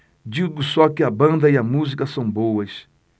digo só que a banda e a música são boas